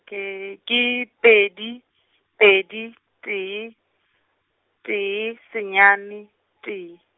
ke ke pedi, pedi, tee, tee, senyane, tee.